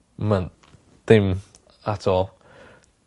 Ma'n... Dim at all.